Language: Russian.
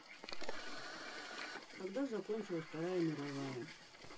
когда закончилась вторая мировая